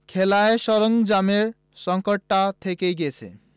খেলার সরঞ্জামের সংকটটা থেকেই গেছে